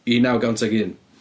i naw gant ag un.